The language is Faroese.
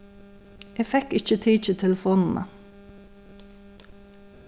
eg fekk ikki tikið telefonina